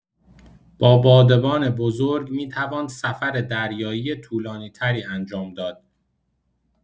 با بادبان بزرگ می‌توان سفر دریایی طولانی‌تری انجام داد.